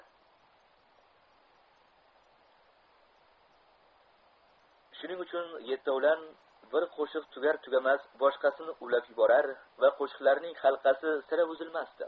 shuning uchun yetovlon bir qo'shiq tugar tugamas boshqasini ulab yuborar va qo'shiqlarning halqasi sira uzilmasdi